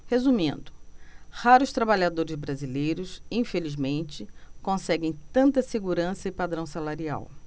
resumindo raros trabalhadores brasileiros infelizmente conseguem tanta segurança e padrão salarial